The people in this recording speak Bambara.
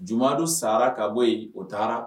Jumadon sara ka bɔ yen o taara